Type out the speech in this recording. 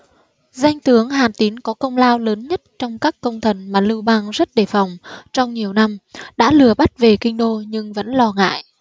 danh tướng hàn tín có công lao lớn nhất trong các công thần mà lưu bang rất đề phòng trong nhiều năm đã lừa bắt về kinh đô nhưng vẫn lo ngại